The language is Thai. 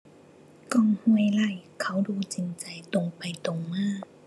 ก้อง ห้วยไร่ เขาดูจริงใจ ตรงไปตรงมา ⁠